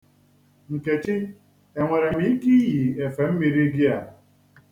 Nkechi, e nwere m ike iyi efemmiri gi a?